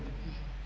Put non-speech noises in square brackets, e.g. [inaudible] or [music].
[hesitation] [hesitation]